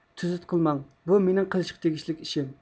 تۈزۈت قىلماڭ بۇ مېنىڭ قىلىشقا تېگىشلىك ئىشىم